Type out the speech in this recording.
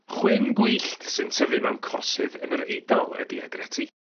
Chwyn gwyllt sy'n tyfu mewn corsydd yn yr Eidal ydi agretti